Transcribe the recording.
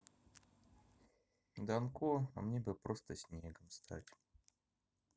данко а мне бы просто снегом стать